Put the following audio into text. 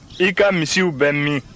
i ka misiw bɛ min